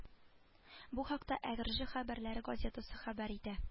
Бу хакта әгерҗе хәбәрләре газетасы хәбәр итә